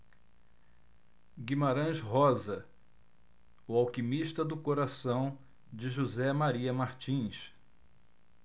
guimarães rosa o alquimista do coração de josé maria martins